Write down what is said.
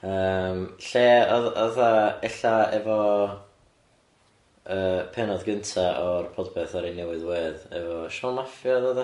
Yym lle o'dd o'dd yy ella efo yy pennod gynta o'r podpeth ar ei newydd wedd efo Siôn Maffia o'dd o d'a?